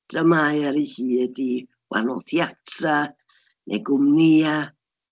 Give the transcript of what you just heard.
Dramâu ar eu hyd i wahanol theatrau neu gwmnïau.